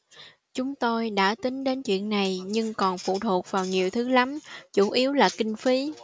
chúng tôi đã tính đến chuyện này nhưng còn phụ thuộc vào nhiều thứ lắm chủ yếu là kinh phí